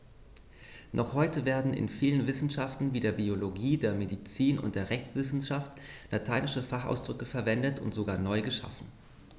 Noch heute werden in vielen Wissenschaften wie der Biologie, der Medizin und der Rechtswissenschaft lateinische Fachausdrücke verwendet und sogar neu geschaffen.